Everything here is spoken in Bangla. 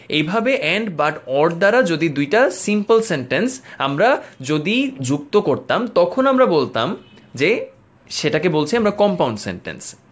এইভাবে এন্ড বাট অর দ্বারা যদি দুইটা সিম্পল সেন্টেন্স আমরা যদি যুক্ত করতাম তখন আমরা বলতাম যে সেটাকে বলছি আমরা কম্পাউন্ড সেন্টেন্স